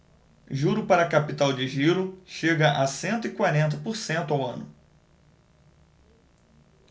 juro para capital de giro chega a cento e quarenta por cento ao ano